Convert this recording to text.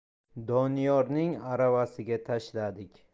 doniyorning aravasiga tashladik